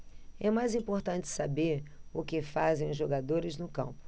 é mais importante saber o que fazem os jogadores no campo